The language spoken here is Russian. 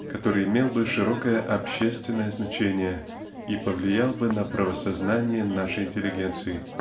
который имел бы широкое общественное значение и повлиял бы на правосознание нашей интеллигенции.